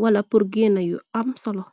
wala purgina yu am solo.